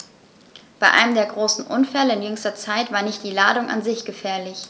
Bei einem der großen Unfälle in jüngster Zeit war nicht die Ladung an sich gefährlich.